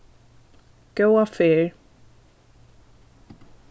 góða ferð